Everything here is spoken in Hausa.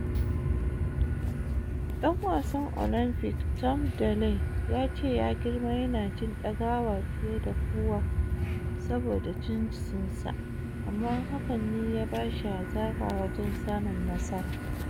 Ɗan wasan Olympics Tom Daley ya ce ya girma yana jin dagawa fiye da kowa saboda jinsin sa - amma hakan ne ya bashi hazaka wajen samun nasara.